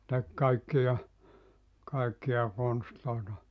se teki kaikkia kaikkia konsteja